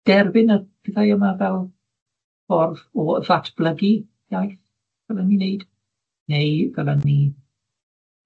Derbyn y pethau yma fel ffordd o ddatblygu iaith, fel o'n i'n neud, neu fel o'n i